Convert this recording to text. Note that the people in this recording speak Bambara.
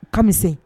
Kamisɛn